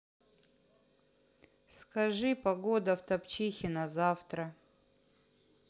скажи погода в топчихино завтра